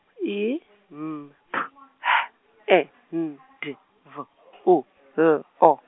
I, M, P, H, E, N, D, V, U, L, O.